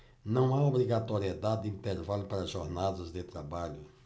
não há obrigatoriedade de intervalo para jornadas de trabalho